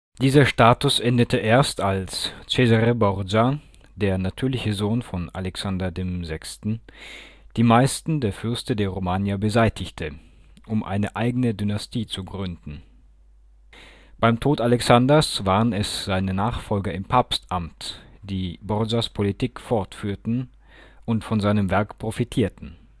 Dieser Status endete erst, als Cesare Borgia, der natürliche Sohn von Alexander VI., die meisten der Fürsten der Romagna beseitigte, um eine eigene Dynastie zu begründen. Beim Tod Alexanders waren es seine Nachfolger im Papstamt, die Borgias Politik fortführten und von seinem Werk profitierten